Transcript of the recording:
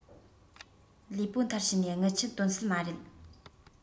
ལུས པོ མཐར ཕྱིན ནས རྔུལ ཆུ དོན སྲིད མ རེད